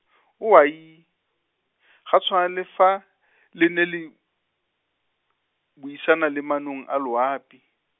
owai , ga tshwana le fa , le ne le, buisana le manong a loapi.